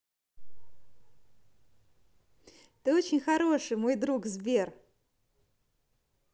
ты очень хороший мой друг сбер